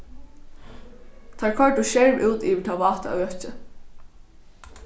teir koyrdu skerv út yvir tað váta økið